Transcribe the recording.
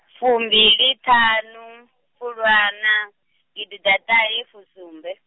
fumbiliṱhanu, Fulwana, gidiḓaṱahefusumbe.